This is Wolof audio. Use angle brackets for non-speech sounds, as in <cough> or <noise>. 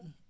<hesitation>